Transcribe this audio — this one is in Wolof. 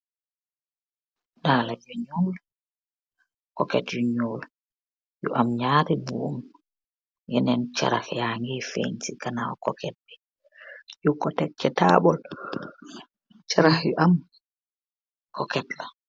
Daala yolu nuul kukeet yu nuul yu aam naar yi boom yenen charah yageh feng si ganow kukeet bi ngon ko teg c tabal charah yu aam kukeet la.